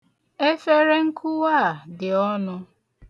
Efere nkụwa a dị ọnụ.